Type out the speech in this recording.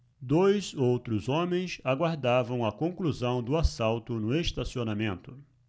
dois outros homens aguardavam a conclusão do assalto no estacionamento